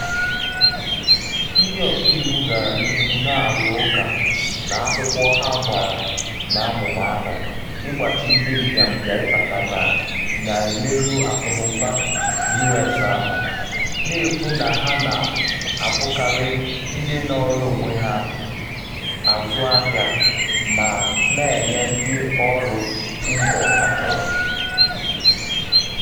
Ndị ọka iwu gara n’ihu na-arụ ụka n’akwụkwọ ha gbara na amụma ahụ ịgbachi ndị mbịambịa ịbata na-emerụ akụnụba U.S ahụ, na-ekwu na ha na-abụkarị ndị nọrọ onwe ha azụ ahịa ma “na-enye ndị ọrụ ngo achọrọ.”